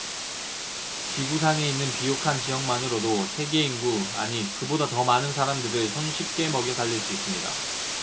지구 상에 있는 비옥한 지역만으로도 세계 인구 아니 그보다 더 많은 사람들을 손쉽게 먹여 살릴 수 있습니다